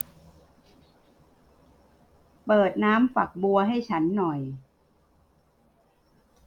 เปิดน้ำฝักบัวให้ฉันหน่อย